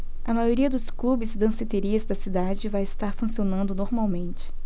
a maioria dos clubes e danceterias da cidade vai estar funcionando normalmente